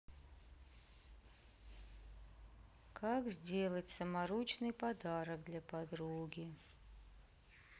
как сделать саморучный подарок для подруги